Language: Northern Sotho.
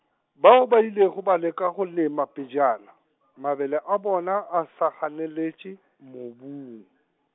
bao ba ilego ba leka go lema pejana, mabele a bona a sa ganeletše, mobung.